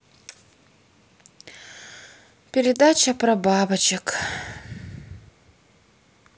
передача про бабочек